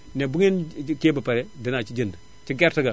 ne bu ngeen kiiyee ba pare dana ci jënd ci gerte ga